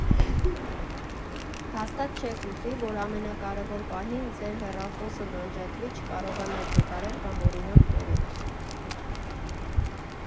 Հաստատ չեք ուզի, որ ամենակարևոր պահին ձեր հեռախոսն անջատվի, չկարողանաք նկարել կամ օրինակ՝ կորեք։